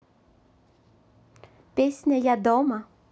песня я дома